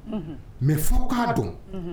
Mɛ furu'a don